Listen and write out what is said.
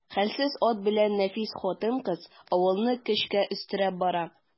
Хәлсез ат белән нәфис хатын-кыз авылны көчкә өстерәп бара.